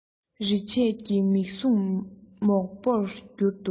རེ ཆད ཀྱི མིག ཟུང མོག པོར གྱུར འདུག